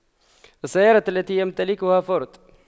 السيارة التي يمتلكها فورد